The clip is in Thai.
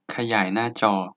ขยายหน้าจอ